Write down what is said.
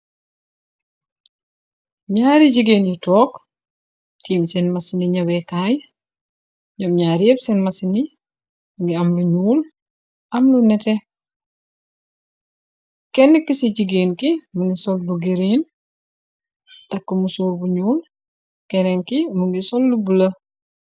Ñaari jigéen yi toog, tiim seen masini ñaweekaay, ñoom ñaar ñéep seen masini mu ngi am lu ñuul, am lu nette, kennë, ki ci jigéen ki, mu ngi sol lu giriin, takko musóor bu ñuul, kenen ki mu ngi sol lu bulo.